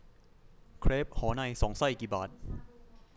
เครปหอในสองไส้กี่บาท